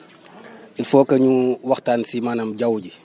il faut que ñu waxtaan si maanaam jaww ji